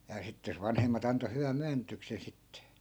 ja sitten jos vanhemmat antoi hyvän myönnytyksen sitten